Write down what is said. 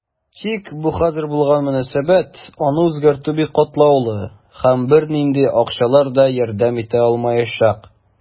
Тик бу хәзер булган мөнәсәбәт, аны үзгәртү бик катлаулы, һәм бернинди акчалар да ярдәм итә алмаячак.